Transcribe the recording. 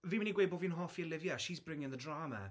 Fi'n mynd i gweud bod fi'n hoffi Olivia, she's bringing the drama.